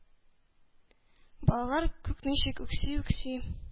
Балалар күк ничек үкси-үкси